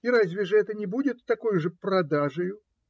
И разве же это не будет такою же продажею?